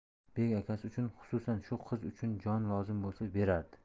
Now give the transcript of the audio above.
bek akasi uchun xususan shu qiz uchun joni lozim bo'lsa berardi